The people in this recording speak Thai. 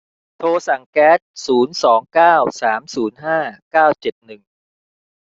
โทรสั่งแก๊สศูนย์สองเก้าสามศูนย์ห้าเก้าเจ็ดหนึ่ง